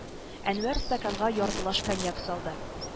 Әнвәр стаканга яртылаш коньяк салды